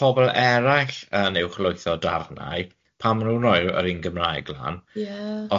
pobol eraill yn uwchlwytho darnau, pan ma nw'n roi yr un Gymraeg lan... Ie...